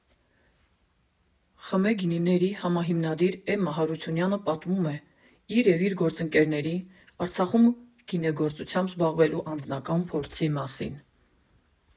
ԽՄԷ գինիների համահիմնադիր Էմմա Հարությունյանը պատմում է իր և իր գործընկերների՝ Արցախում գինեգործությամբ զբաղվելու անձնական փորձի մասին։